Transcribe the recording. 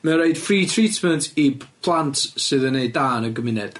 mae'n roid free treatment i b- plant sydd yn neud da yn y gymuned.